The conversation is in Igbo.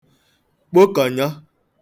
kpokọ̀nyọ